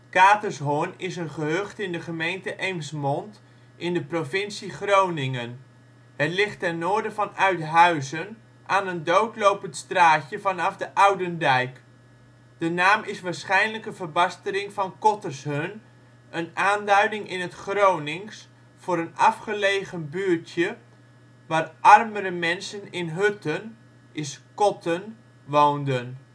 Katershorn is een gehucht in de gemeente Eemsmond in de provincie Groningen. Het ligt ten noorden van Uithuizen aan een doodlopend straatje vanaf de Oudendijk. De naam is waarschijnlijk een verbastering van Kottershörn een aanduiding in het Gronings voor een afgelegen buurtje waar armere mensen in hutten = kotten woonden